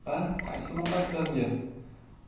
a qaysi muqaddam